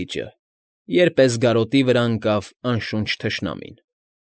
Լիճը, երբ Էսգարոտի վրա ընկավ անշունչ թշնամին։